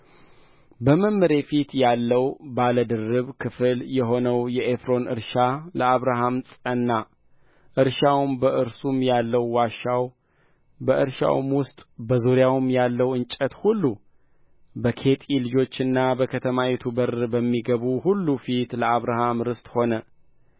በመምሬ ፊት ያለው ባለድርብ ክፍል የሆነው የኤፍሮን እርሻ ለአብርሃም ጸና እርሻው በእርሱም ያለው ዋሻው በእርሻውም ውስጥ በዙሪያውም ያለው እንጨት ሁሉ በኬጢ ልጆችና በከተማይቱ በር በሚገቡ ሁሉ ፊት ለአብርሃም ርስቱ ሆነ